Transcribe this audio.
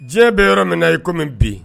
Diɲɛ bɛ yɔrɔ min i kɔmimi bi